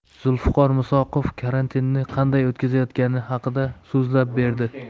zulfiqor musoqov karantinni qanday o'tkazayotgani haqida so'zlab berdi